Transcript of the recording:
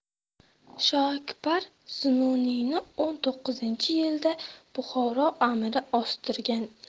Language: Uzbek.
shoakbar zunnuniyni o'n to'qqizinchi yilda buxoro amiri ostirgan